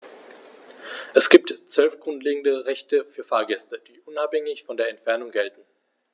Es gibt 12 grundlegende Rechte für Fahrgäste, die unabhängig von der Entfernung gelten.